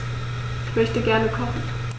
Ich möchte gerne kochen.